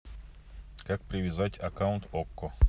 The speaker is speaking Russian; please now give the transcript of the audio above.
как привязать аккаунт окко